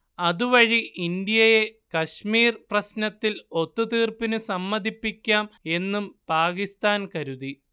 അതുവഴി ഇന്ത്യയെ കശ്മീർ പ്രശ്നത്തിൽ ഒത്തുതീർപ്പിനു സമ്മതിപ്പിക്കാം എന്നും പാകിസ്താൻ കരുതി